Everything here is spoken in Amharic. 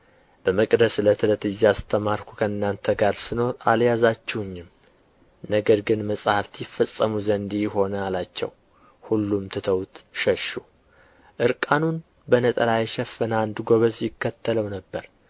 በመቅደስ ዕለት ዕለት እያስተማርሁ ከእናንተ ጋር ስኖር አልያዛችሁኝም ነገር ግን መጻሕፍት ይፈጸሙ ዘንድ ይህ ሆነ አላቸው ሁሉም ትተውት ሸሹ ዕርቃኑን በነጠላ የሸፈነ አንድ ጎበዝ ይከተለው ነበር